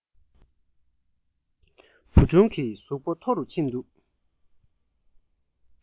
བུ ཆུང གི གཟུགས པོ མཐོ རུ ཕྱིན འདུག